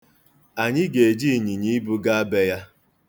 Anyị ga-eji ịnyịnyiibu gaa be ya.